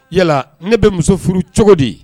Yala ne bɛ muso furu cogo di?